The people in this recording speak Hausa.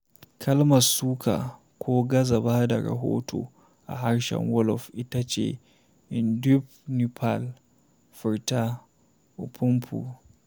Kalmar 'suka'' ko 'gaza ba da rahoto' a harshen Wolof ita ce 'ndeup neupal' (furta “n-puh n-puh”).